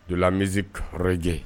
Donnalamiiɔrɔ lajɛ